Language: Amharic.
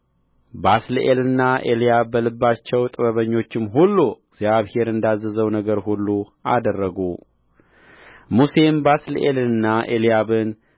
ባስልኤልና ኤልያብ በልባቸው ጥበበኞችም ሁሉ እግዚአብሔር እንዳዘዘው ነገር ሁሉ አደረጉ ሙሴም ባስልኤልንና ኤልያብን